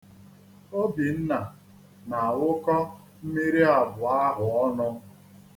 Obinna na-awụkọ mmiri abụọ ahụ ọnụ.